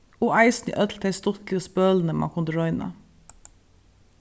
og eisini øll tey stuttligu spølini mann kundi royna